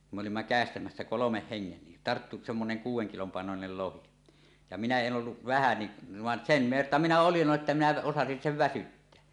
kun me olimme käestämässä kolmen hengen niin tarttui semmoinen kuuden kilon painoinen lohi ja minä en ollut vähän niin vaan sen verta minä olin jo että minä osasin sen väsyttää